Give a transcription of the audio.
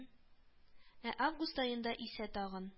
Ә август аенда исә тагын